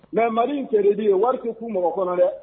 Nka Mali in feereli o wari tɛ kun mɔgɔ kɔnɔ dɛ